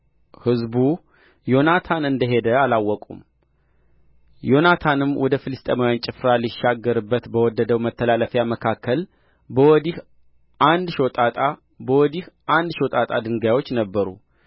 ሕዝቡ ዮናታን እንደ ሄደ አላወቁም ዮናታንም ወደ ፍልስጥኤማውያን ጭፍራ ሊሻገርበት በወደደው መተላለፊያ መካከል በወዲህ አንድ ሾጣጣ በወዲህ አንድ ሾጣጣ ድንጋዮች ነበሩ